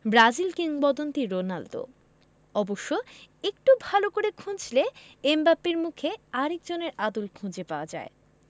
Brazil কিংবদন্তি Ronaldo অবশ্য একটু ভালো করে খুঁজলে এমবাপ্পের মুখে আরেকজনের আদল খুঁজে পাওয়া যায়